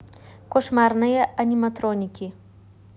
кошмарные аниматроники